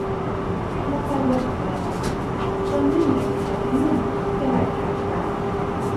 บ่ค่อยเบิ่งปานใดดอก เบิ่งยามใดก็เสียแต่เงิน มีแต่ไลฟ์ขายของ